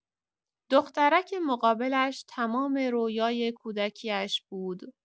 دخترک مقابلش تمام رویای کودکی‌اش بود.